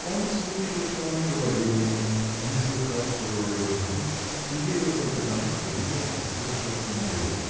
Он слушал, что она говорила ему, не слыхал, что говорила другим, и верил только тому, что видел и слышал от нее.